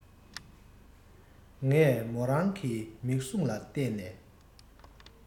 ངས མོ རང གི མིག གཟུངས ལ ལྟས ནས